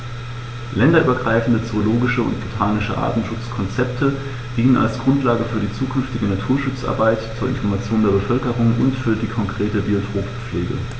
Länderübergreifende zoologische und botanische Artenschutzkonzepte dienen als Grundlage für die zukünftige Naturschutzarbeit, zur Information der Bevölkerung und für die konkrete Biotoppflege.